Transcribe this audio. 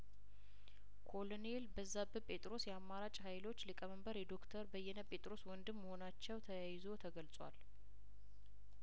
ኮሎኔል በዛብህ ጴጥሮስ የአማራጭ ሀይሎች ሊቀመንበር የዶክተር በየነ ጴጥሮስ ወንድም መሆናቸው ተያይዞ ተገልጿል